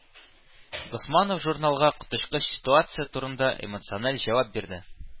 Госманов журналга коточкыч ситуация турында эмоциональ җавап бирде.